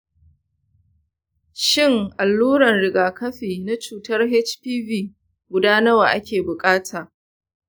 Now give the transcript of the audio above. shin alluran riga-kafi na cutar hpv guda nawa nake buƙata?